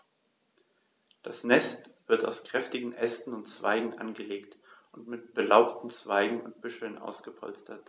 Das Nest wird aus kräftigen Ästen und Zweigen angelegt und mit belaubten Zweigen und Büscheln ausgepolstert.